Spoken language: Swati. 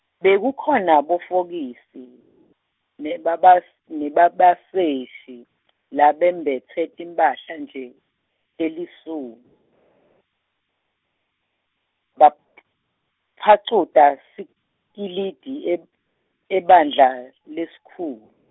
bekukhona bofokisi nebabas-, nebabaseshi , labembetse timphahla nje, tesilum-, bap- -phacuta sikilidi eb- ebandla lesikhulu.